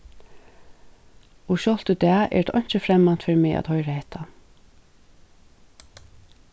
og sjálvt í dag er tað einki fremmant fyri meg at hoyra hetta